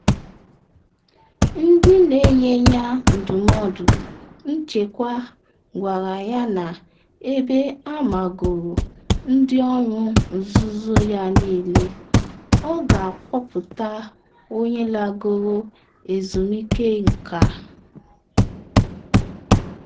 Ndị na-enye ya ndụmọdụ nchekwa gwara ya na ebe amagoro ndị ọrụ nzuzo ya niile, ọ ga-akpọpụta onye lagoro ezumike nka.